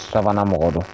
Sabanan mɔgɔ don